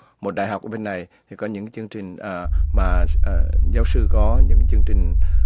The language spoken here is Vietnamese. một đại học của bên này thì có những chương trình à mà giáo sư có những chương trình